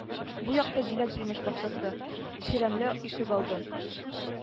Бу якта җиләк-җимеш бакчасы, чирәмле ишегалды